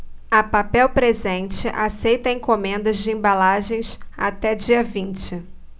a papel presente aceita encomendas de embalagens até dia vinte